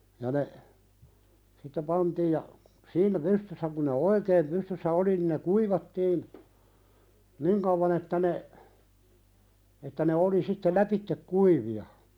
ja ne sitten pantiin ja siinä pystyssä kun ne oikein pystyssä oli niin ne kuivattiin niin kauan että ne että ne oli sitten lävitse kuivia